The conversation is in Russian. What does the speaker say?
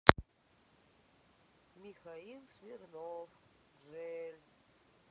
михаил смирнов гжель